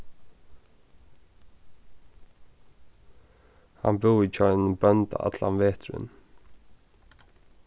hann búði hjá einum bónda allan veturin